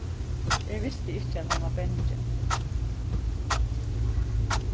eg visti ikki at hann var bangin